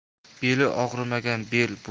beli og'rimagan bel